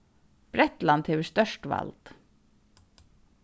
bretland hevur stórt vald